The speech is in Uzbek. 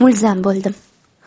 mulzam bo'ldim